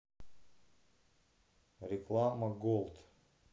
реклама голд